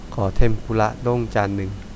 ขอเทมปุระด้งจานหนึ่ง